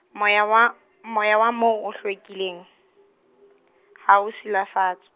moya wa, moya wa moo hlwekileng, hao silafatswa.